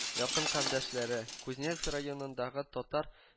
Якын кардәшләре, кузнецк районындагы татар